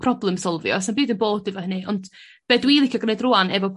problem solfio 's'a'm byd yn bod efo hynny ond be' dwi licio gneud rŵan efo